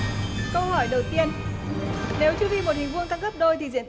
câu hỏi đầu tiên nếu chu vi một hình vuông tăng gấp đôi thì diện